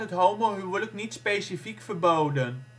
homohuwelijk niet specifiek verboden